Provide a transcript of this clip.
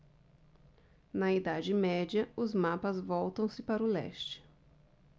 na idade média os mapas voltam-se para o leste